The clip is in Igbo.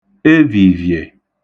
evìviè